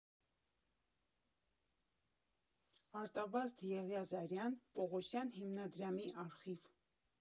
Արտավազդ Եղիազարյան Պողոսյան հիմնադրամի արխիվ։